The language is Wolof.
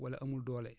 wala amul doole